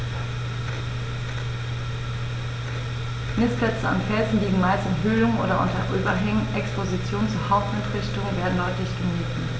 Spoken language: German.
Nistplätze an Felsen liegen meist in Höhlungen oder unter Überhängen, Expositionen zur Hauptwindrichtung werden deutlich gemieden.